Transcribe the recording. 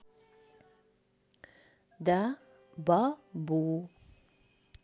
да baby